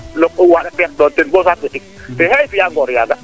waanda teex doon ten bo saax ɓetik te xay fiya ngoor yaaga